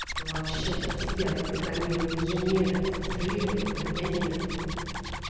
вообще то тебя запрограммировали инженеры сконструировали а меня нет